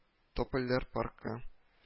“топольләр” паркы